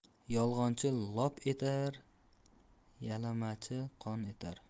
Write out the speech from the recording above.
yolg'onchi lop etar yalamachi qon etar